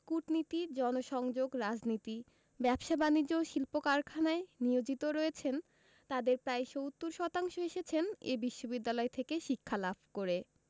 কূটনীতি জনসংযোগ রাজনীতি ব্যবসা বাণিজ্য ও শিল্প কারখানায় নিয়োজিত রয়েছেন তাঁদের প্রায় ৭০ শতাংশ এসেছেন এ বিশ্ববিদ্যালয় থেকে শিক্ষালাভ করে